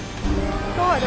câu hỏi